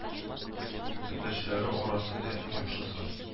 Төрдәшләре арасында иң яхшысы